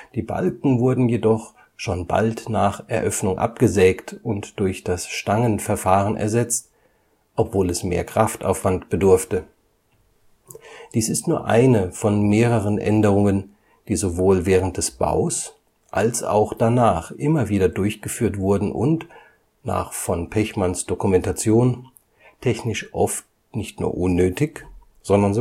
Die Balken wurden jedoch schon bald nach Eröffnung abgesägt und durch das Stangenverfahren ersetzt, obwohl es mehr Kraftaufwand bedurfte. Dies ist nur eine von mehreren Änderungen, die sowohl während des Baus als auch danach immer wieder durchgeführt wurden und – nach von Pechmanns Dokumentation – technisch oft nicht nur unnötig, sondern